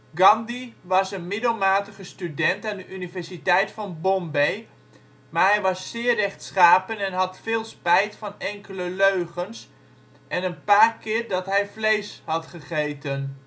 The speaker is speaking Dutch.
was een middelmatige student aan de Universiteit van Bombay, maar hij was zeer rechtschapen en had veel spijt van enkele leugens en de paar keer dat hij vlees had gegeten